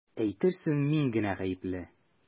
Әйтерсең мин генә гаепле!